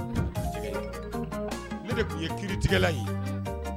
Ne de tun ye kitigɛla ye